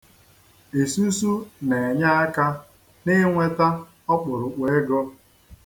Isusu na-enye aka n'inweta ọkpụrụkpụ ego.